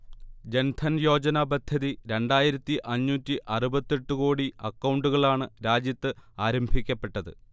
ജൻധൻയോജന പദ്ധതി രണ്ടായിരത്തി അഞ്ഞൂറ്റി അറുപത്തിയെട്ട് കോടി അക്കൗണ്ടുകളാണ് രാജ്യത്ത് ആരംഭിക്കപ്പെട്ടത്